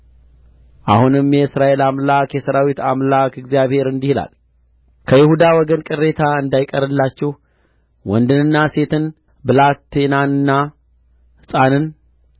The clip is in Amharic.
አሁንም የእስራኤል አምላክ የሠራዊት አምላክ እግዚአብሄር እንዲህ ይላል ከይሁዳ ወገን ቅሬታ እንዳይቀርላችሁ ወንድንና ሴትን ብላቴናንና ሕፃንን